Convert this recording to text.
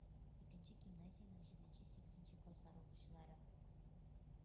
Икенче гимназиянең җиденче-сигезенче класслар укучылары